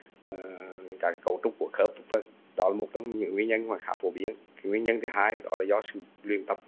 ờ cái cấu trúc của khớp vân vân đó là một trong những nguyên nhân mà khá phổ biến nguyên nhân thứ hai đó là do sự luyện tập